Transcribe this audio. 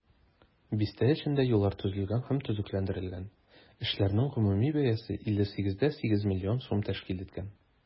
Бистә эчендә юллар төзелгән һәм төзекләндерелгән, эшләрнең гомуми бәясе 58,8 миллион сум тәшкил иткән.